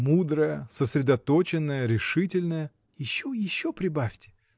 — Мудрая, сосредоточенная, решительная. — Еще, еще прибавьте!